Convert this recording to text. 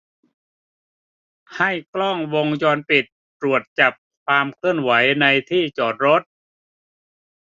ให้กล้องวงจรปิดตรวจจับความเคลื่อนไหวในที่จอดรถ